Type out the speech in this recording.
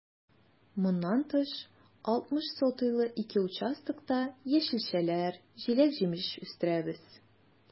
Моннан тыш, 60 сотыйлы ике участокта яшелчәләр, җиләк-җимеш үстерәбез.